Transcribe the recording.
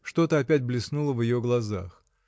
Что-то опять блеснуло в ее глазах.